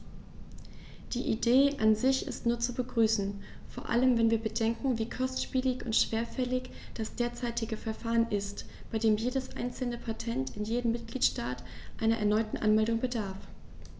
Die Idee an sich ist nur zu begrüßen, vor allem wenn wir bedenken, wie kostspielig und schwerfällig das derzeitige Verfahren ist, bei dem jedes einzelne Patent in jedem Mitgliedstaat einer erneuten Anmeldung bedarf.